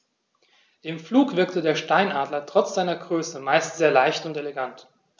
Im Flug wirkt der Steinadler trotz seiner Größe meist sehr leicht und elegant.